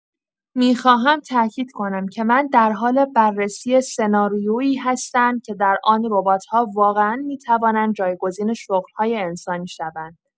می‌خواهم تاکید کنم که من در حال بررسی سناریویی هستم که در آن ربات‌ها واقعا می‌توانند جایگزین شغل‌های انسانی شوند.